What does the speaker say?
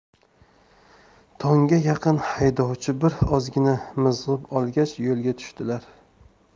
tongga yaqin haydovchi bir ozgina mizg'ib olgach yo'lga tushdilar